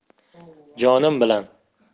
jonim bilan